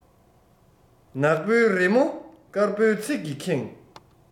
ནག པོའི རི མོ དཀར པོའི ཚིག གིས ཁེངས